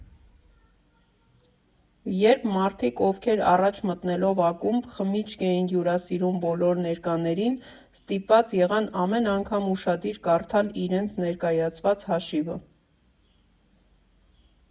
Երբ մարդիկ, ովքեր առաջ, մտնելով ակումբ, խմիչք էին հյուրասիրում բոլոր ներկաներին, ստիպված եղան ամեն անգամ ուշադիր կարդալ իրենց ներկայացված հաշիվը։